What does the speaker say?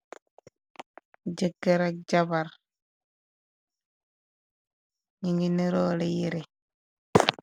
Jèker ak jabarr ñu ngi niro leh yirèh.